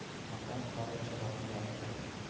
xotin qora chiroqni yoqdi